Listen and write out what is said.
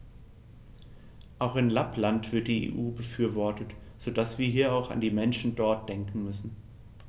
Auch in Lappland wird die EU befürwortet, so dass wir hier auch an die Menschen dort denken müssen.